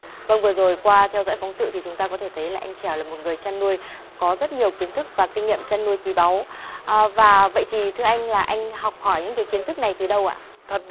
vâng vừa rồi qua theo dõi phóng sự thì chúng ta có thể thấy là anh trèo là một người chăn nuôi có rất nhiều kiến thức và kinh nghiệm chăn nuôi quý báu và vậy thì thưa anh là anh học hỏi những kiến thức này từ đâu ạ